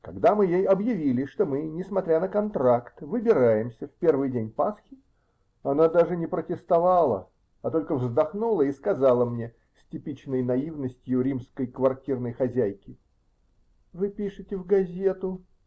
Когда ей объявили, что мы, несмотря на контракт, выбираемся в первый день Пасхи, она даже не протестовала, а только вздохнула и сказала мне с типичной наивностью римской квартирной хозяйки: -- Вы пишете в газету.